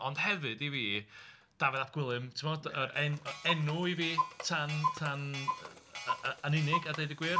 Ond hefyd, i fi, Dafydd ap Gwilym, timod? Yr en- enw i fi tan tan, yy, yy, yn unig, a dweud y gwir.